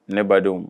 Ne badenw